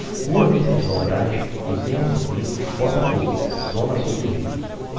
rua venceslau braz duzentos e quinze botafogo zona sul do rio